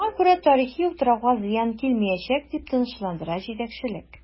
Шуңа күрә тарихи утрауга зыян килмиячәк, дип тынычландыра җитәкчелек.